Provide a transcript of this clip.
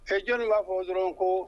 Ee jɔnni b'a fɔ dɔrɔn ko